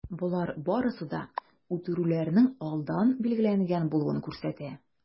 Болар барысы да үтерүләрнең алдан билгеләнгән булуын күрсәтә.